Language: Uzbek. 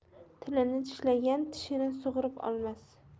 tilini tishlagan tishini sug'urib olmas